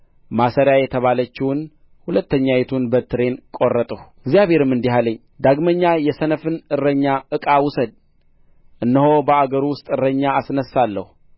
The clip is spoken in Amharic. ማሰሪያ የተባለችውን ሁለተኛይቱን በትሬን ቈረጥሁ እግዚአብሔርም እንዲህ አለኝ ዳግመኛም የሰነፍን እረኛ ዕቃ ውሰድ እነሆ በአገሩ ውስጥ እረኛ አስነሣለሁ